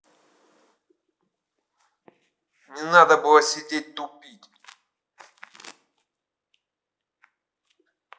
не надо было сидеть тупить